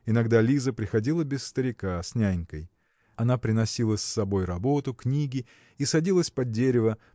Иногда Лиза приходила без старика, с нянькой. Она приносила с собою работу книги и садилась под дерево